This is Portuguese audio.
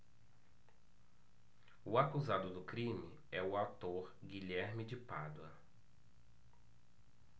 o acusado do crime é o ator guilherme de pádua